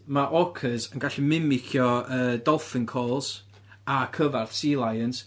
Mae orcas yn gallu mimicio yy dolphin calls a cyfarth sea lions.